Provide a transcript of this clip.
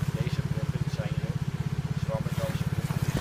Deze bruggen zijn de: Zwammerdamse brug